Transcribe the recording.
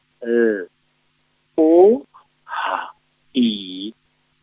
L O H E.